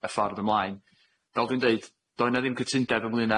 y ffordd ymlaen fel dwi'n deud doedd 'na ddim cytundeb ynglyn